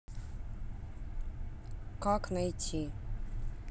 как найти